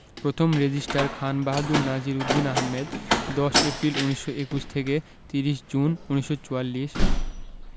প্রথম registrar Khanbahadur Nazir Uddin Ahmad ১০ April ১৯২১ থেকে ৩০ June ১৯৪৪